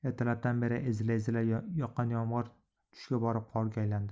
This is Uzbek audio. ertalab dan beri ezila ezila yoqqan yomg'ir tushga borib qorga aylandi